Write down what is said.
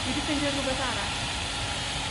Dwi 'di ffeindio rwbeth arall.